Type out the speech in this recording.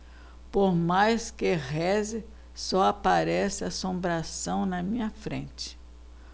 por mais que reze só aparece assombração na minha frente